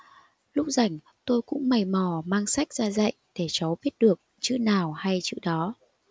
lúc rảnh tôi cũng mày mò mang sách ra dạy để cháu biết được chữ nào hay chữ đó